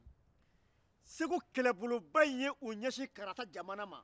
segu kɛlɛboloba in ye u ɲɛsin karata jamana ma